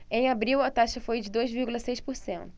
em abril a taxa foi de dois vírgula seis por cento